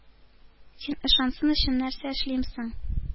- син ышансын өчен нәрсә эшлим соң?